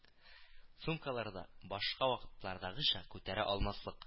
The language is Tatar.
Сумкалары да, башка вакытлардагыча, күтәрә алмаслык